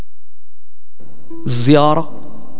زياره